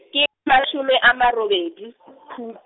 ke mashome a ma robedi , Phu-.